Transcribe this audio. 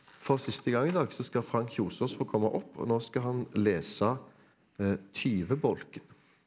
for siste gang i dag så skal Frank Kjosås få komme opp og nå skal han lese Tyvebolk.